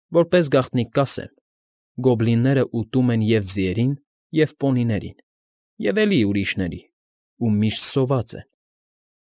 Որպես գաղտնիք կասեմ, գոբլինները ուտում են և՛ ձիերին, և պոնիներին, և էլի ուրիշների ու միշտ սոված են։